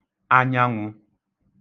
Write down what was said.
anyanwụ̄